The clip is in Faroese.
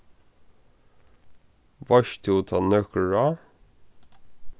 veitst tú tá nøkur ráð